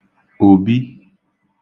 Òbi